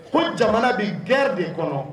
Ko jamana bɛ gɛn de kɔnɔ